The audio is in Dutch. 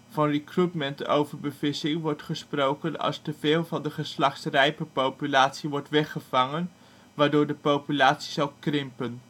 Van rekruitment-overbevissing wordt gesproken als te veel van de geslachtsrijpe populatie wordt weggevangen, waardoor de populatie zal krimpen